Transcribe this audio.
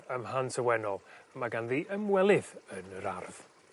...ym Mhant y Wennol a ma' ganddi ymwelydd yn yr ardd.